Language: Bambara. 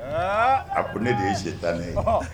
A ko ne de ye si tan ne ye